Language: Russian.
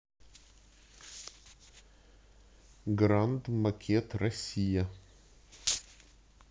гранд макет россия